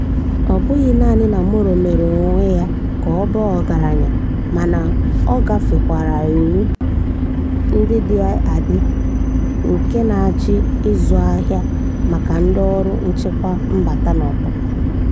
Ọ bụghị naanị na Moro mere onwe ya ka ọ baa ọgaranya mana ọ gafekwara iwu ndị dị adị nke na-achị ịzụ ahịa maka ndị Ọrụ Nchịkwa Mbata na Ọpụpụ.